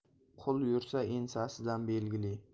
qui yursa ensasidan belgili